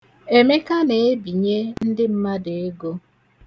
Emeka na-ebinye ndị mmadụ ego.